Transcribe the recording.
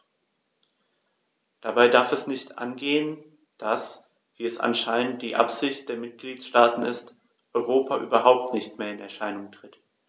Dabei darf es nicht angehen, dass - wie es anscheinend die Absicht der Mitgliedsstaaten ist - Europa überhaupt nicht mehr in Erscheinung tritt.